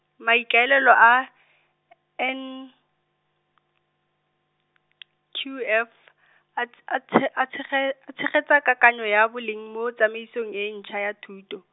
maikaelelo a, N , Q F , a tsh- a tshe-, a tshege-, a tshegetsa kakanyo ya boleng mo tsamaisong e ntsha ya thuto.